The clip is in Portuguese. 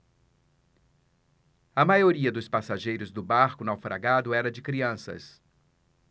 a maioria dos passageiros do barco naufragado era de crianças